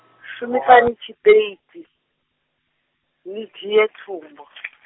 shumisani tshipeidi, ni dzhie tsumbo .